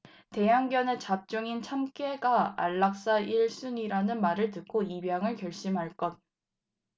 대형견에 잡종인 참깨가 안락사 일 순위라는 말을 듣고 입양을 결심한 것